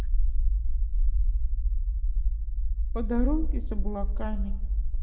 по дороге с облаками